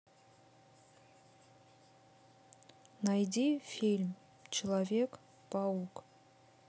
найди фильм человек паук